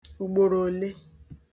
ùgbòrò òle